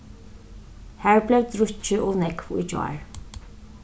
har bleiv drukkið ov nógv í gjár